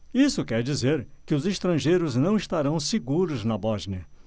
isso quer dizer que os estrangeiros não estarão seguros na bósnia